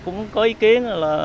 cũng có ý kiến là